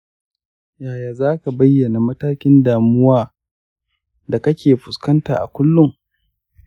yaya za ka bayyana matakin damuwa da kake fuskanta a kullum?